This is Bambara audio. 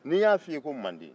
n'i n y'a f'i ye ko manden